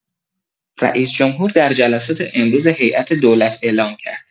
رئیس‌جمهور در جلسه امروز هیات دولت اعلام کرد